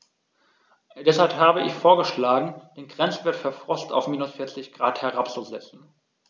Deshalb habe ich vorgeschlagen, den Grenzwert für Frost auf -40 ºC herabzusetzen.